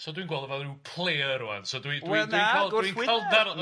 So dwi'n gweld e fel ryw player rŵan, so dwi dwi'n... ...Wel, na... dwi'n ca'l darlun...